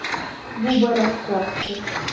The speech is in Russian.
буба раскраски